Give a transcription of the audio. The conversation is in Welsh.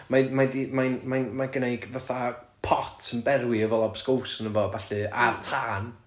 mae'n... mae hi di... mae'n... mae'n... mae genna hi fatha pot yn berwi efo lobscows ynddo fo a ballu ar tân